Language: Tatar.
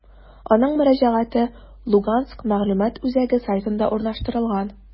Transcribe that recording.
Аның мөрәҗәгате «Луганск мәгълүмат үзәге» сайтында урнаштырылган.